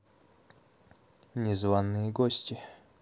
незваные гости